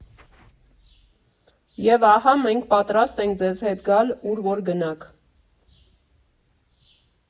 Եվ ահա մենք պատրաստենք ձեզ հետ գալ ուր, որ գնաք։